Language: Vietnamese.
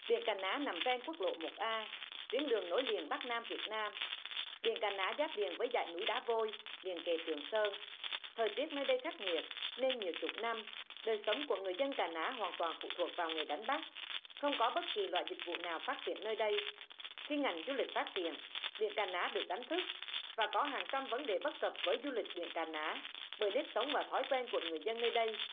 biển cà ná nằm ven quốc lộ một a tuyến đường nối liền bắc nam việt nam biển cà ná giáp liền với dãy núi đá vôi liền kề trường sơn thời tiết nơi đây khắc nghiệt nên nhiều chục năm đời sống của người dân cà ná hoàn toàn phụ thuộc vào nghề đánh bắt không có bất kỳ loại dịch vụ nào phát triển nơi đây khi ngành du lịch phát triển biển cà ná được đánh thức và có hàng trăm vấn đề bất cập với du lịch biển cà ná bởi nếp sống và thói quen của người dân nơi đây